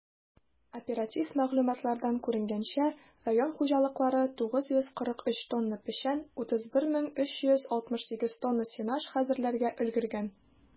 Оператив мәгълүматлардан күренгәнчә, район хуҗалыклары 943 тонна печән, 31368 тонна сенаж хәзерләргә өлгергән.